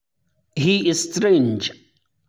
He's strange.